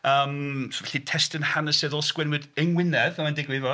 Yym so felly testyn hanesyddol sgwennwyd yn Ngwynedd fel mae'n digwydd bod.